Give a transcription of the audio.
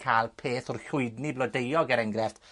ca'l peth o'r llwydni blodeuog er enghrefft,